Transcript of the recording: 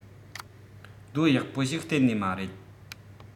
རྡོ ཡག པོ ཞིག གཏན ནས མ རེད